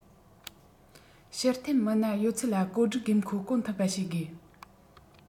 ཕྱིར འཐེན མི སྣ ཡོད ཚད ལ བཀོད སྒྲིག དགོས མཁོ སྐོང ཐུབ པ བྱེད དགོས